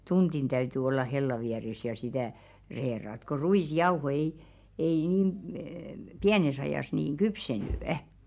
tunti täytyi olla hellan vieressä ja sitä reilata kun ruisjauho ei ei niin - pienessä ajassa niin kypsynyt